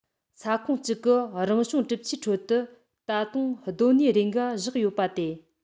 ས ཁོངས གཅིག གི རང བྱུང གྲུབ ཆའི ཁྲོད དུ ད དུང སྡོད གནས རེ འགའ བཞག ཡོད པ དེ